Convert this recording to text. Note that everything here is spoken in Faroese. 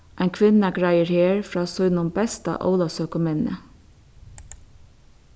ein kvinna greiðir her frá sínum besta ólavsøkuminni